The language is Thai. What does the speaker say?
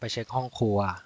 ไปเช็คห้องครัว